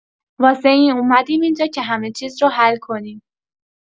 واسه این اومدیم اینجا که همه چیز رو حل کنیم.